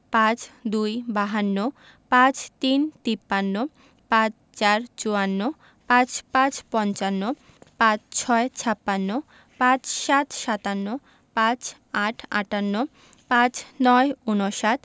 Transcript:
৫২ - বাহান্ন ৫৩ - তিপ্পান্ন ৫৪ - চুয়ান্ন ৫৫ – পঞ্চান্ন ৫৬ – ছাপ্পান্ন ৫৭ – সাতান্ন ৫৮ – আটান্ন ৫৯ - ঊনষাট